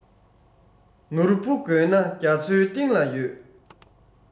ནོར བུ དགོས ན རྒྱ མཚོའི གཏིང ལ ཡོད